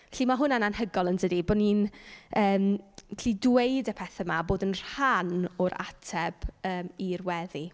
Felly mae hwnna'n anhygoel, yn dydi, bo' ni'n yym gallu dweud y pethe 'ma, bod yn rhan o'r ateb yym i'r weddi.